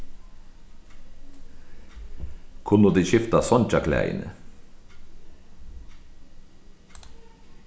kunnu tit skifta seingjarklæðini